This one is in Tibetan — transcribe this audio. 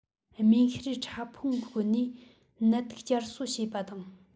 རྨེན གཤེར ཕྲ ཕུང བཀོལ ནས ནད དུག བསྐྱར བཟོ བྱེད པ དང